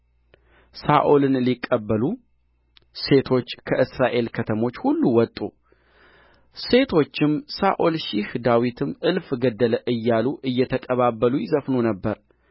ሳኦልን ሊቀበሉ ሴቶች ከእስራኤል ከተሞች ሁሉ ወጡ ሴቶችም ሳኦል ሺህ ዳዊትም እልፍ ገደለ እያሉ እየተቀባበሉ ይዘፍኑ ነበር